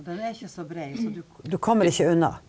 den er ikke så brei, så du du kommer ikke unna.